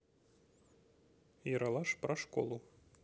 ералаш про школу